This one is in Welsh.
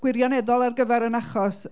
gwirioneddol ar gyfer ein achos.